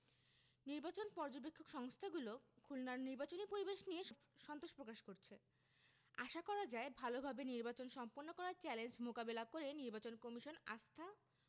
নির্বাচন পর্যবেক্ষক সংস্থাগুলো খুলনার নির্বাচনী পরিবেশ নিয়ে সন্তোষ প্রকাশ করেছে আশা করা যায় ভালোভাবে নির্বাচন সম্পন্ন করার চ্যালেঞ্জ মোকাবেলা করে নির্বাচন কমিশন আস্থা